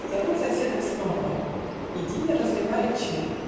Зовут соседа к самовару, А Дуня разливает чай